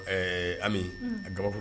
Ɛɛ ami a dɔgɔ fɔ